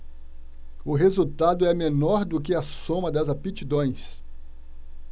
o resultado é menor do que a soma das aptidões